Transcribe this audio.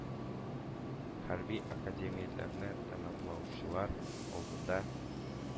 Хәрби академияләрне тәмамлаучылар алдында,